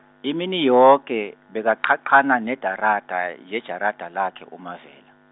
imini yoke, bekaqhaqhana nedarada, yejarada lakhe, uMavela.